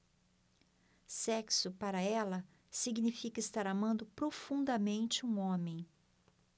sexo para ela significa estar amando profundamente um homem